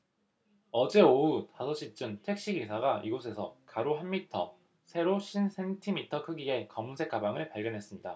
어제 오후 다섯 시쯤 택시기사가 이곳에서 가로 한 미터 세로 쉰 센티미터 크기의 검은색 가방을 발견했습니다